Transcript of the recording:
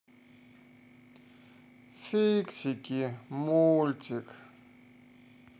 фиксики мультик